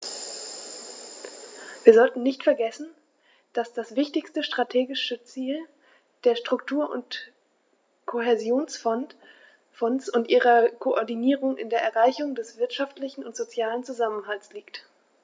Wir sollten nicht vergessen, dass das wichtigste strategische Ziel der Struktur- und Kohäsionsfonds und ihrer Koordinierung in der Erreichung des wirtschaftlichen und sozialen Zusammenhalts liegt.